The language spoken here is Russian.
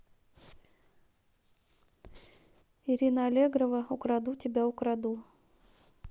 ирина аллегрова украду тебя украду